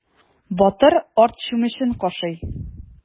Батыр арт чүмечен кашый.